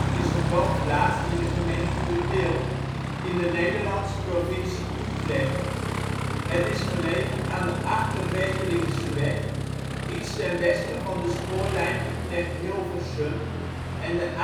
is een woonplaats in de gemeente De Bilt, in de Nederlandse provincie Utrecht. Het is gelegen aan de Achter Weteringseweg, iets ten westen van de spoorlijn Utrecht-Hilversum en de A27